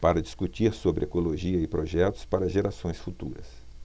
para discutir sobre ecologia e projetos para gerações futuras